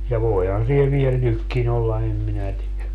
ja voihan siellä vielä nytkin olla en minä tiedä